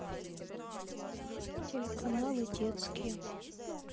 телеканалы детские